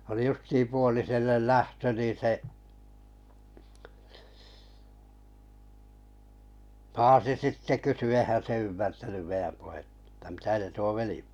oli justiin puoliselle lähtö niin se paasi sitten kysyi eihän se ymmärtänyt meidän puhetta jotta mitä se tuo veli